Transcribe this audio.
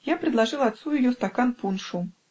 Я предложил отцу ее стакан пуншу